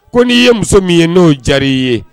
Ko n' ye muso min ye n'o diyara ye